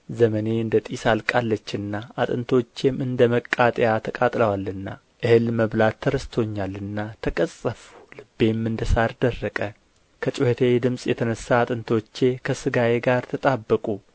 ዘመኔ እንደ ጢስ አልቃለችና አጥንቶቼም እንደ መቃጠያ ተቃጥለዋልና እህል መብላት ተረስቶኛልና ተቀሠፍሁ ልቤም እንደ ሣር ደረቀ ከጩኸቴ ድምፅ የተነሣ አጥንቶቼ ከሥጋዬ ጋር ተጣበቁ